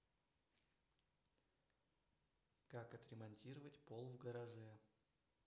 как отремонтировать пол в гараже